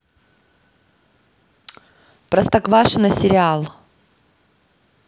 простоквашино сериал